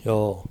joo